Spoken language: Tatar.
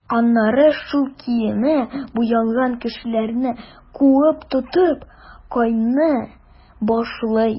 Аннары шул киеме буялган кешеләрне куып тотып, кыйный башлый.